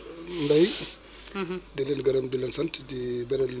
actuellement les dérèglements climatiques là ñu ngi koy subir bu baax